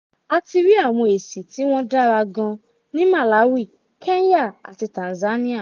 A ti rí àwọn èsì tí wọ́n dára gan ní Malawi, Kenya àti Tanzania.